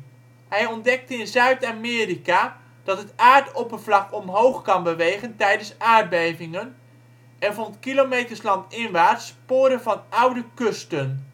Hij ontdekte in Zuid-Amerika dat het aardoppervlak omhoog kan bewegen tijdens aardbevingen, en vond kilometers landinwaarts sporen van oude kusten